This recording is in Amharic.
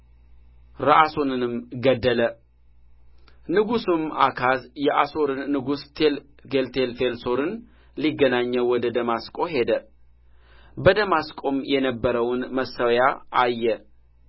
ረአሶንንም ገደለ ንጉሡም አካዝ የአሦርን ንጉሠ ቴልጌልቴልፌልሶርን ሊገናኘው ወደ ደማስቆ ሄደ በደማስቆ የነበረውን መሠዊያ አየ